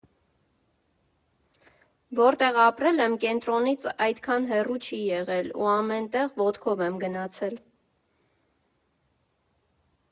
Որտեղ ապրել եմ, կենտրոնից այդքան հեռու չի եղել ու ամեն տեղ ոտքով եմ գնացել։